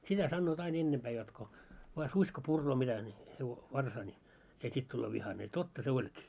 sitä sanovat aina ennempää jotta kun vain susi kun puree mitä niin - varsaa niin se sitten tulee vihainen ja totta se olikin